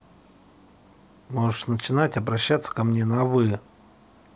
можешь начинать обращаться ко мне на вы